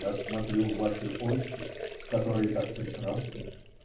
-- Я смотрю в ваши очи, которые так прекрасны.